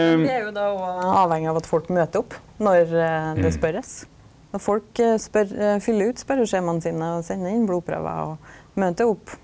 men vi er jo då òg avhengig av at folk møter opp når det spørst at folk spør fyller ut spørjeskjemaa sine og senda inn blodprøver og møter opp.